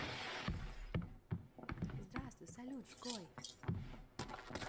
здравствуй салют шкой